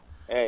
eeyi